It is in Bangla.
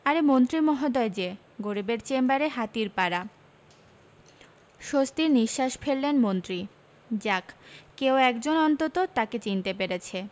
আরে মন্ত্রী মহোদয় যে গরিবের চেম্বারে হাতির পাড়া স্বস্তির নিশ্বাস ফেললেন মন্ত্রী যাক কেউ একজন অন্তত তাঁকে চিনতে পেরেছে